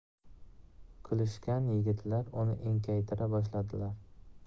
kulishgan yigitlar uni enkaytira boshladilar